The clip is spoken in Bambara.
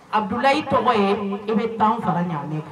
Adula i tɔgɔ ye i bɛ tan fara ɲa